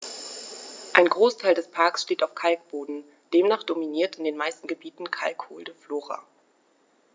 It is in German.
Ein Großteil des Parks steht auf Kalkboden, demnach dominiert in den meisten Gebieten kalkholde Flora.